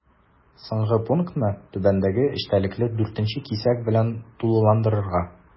Соңгы пунктны түбәндәге эчтәлекле 4 нче кисәк белән тулыландырырга.